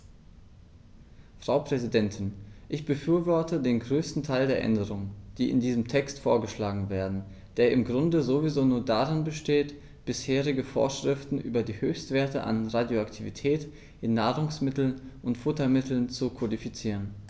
Frau Präsidentin, ich befürworte den größten Teil der Änderungen, die in diesem Text vorgeschlagen werden, der im Grunde sowieso nur darin besteht, bisherige Vorschriften über die Höchstwerte an Radioaktivität in Nahrungsmitteln und Futtermitteln zu kodifizieren.